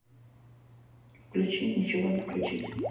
включи ничего не включить